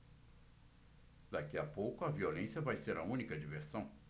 daqui a pouco a violência vai ser a única diversão